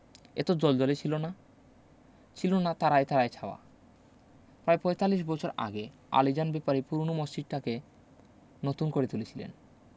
এত জ্বলজ্বলে ছিল না ছিলনা তারায় তারায় ছাওয়া প্রায় পঁয়তাল্লিশ বছর আগে আলীজান ব্যাপারী পূরোনো মসজিদটাকে নতুন করে তুলেছিলেন